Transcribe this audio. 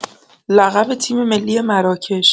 لقب تیم‌ملی مراکش